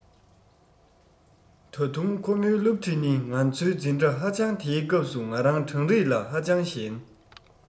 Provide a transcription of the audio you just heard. ད དུང ཁོ མོའི སློབ ཁྲིད ནི ང ཚོའི འཛིན གྲྭ ཧ ཅང དེའི སྐབས སུ ང རང གྲངས རིག ལ ཧ ཅང ཞན